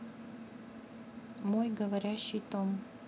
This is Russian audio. мой говорящий том